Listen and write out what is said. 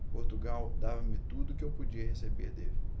portugal dava-me tudo o que eu podia receber dele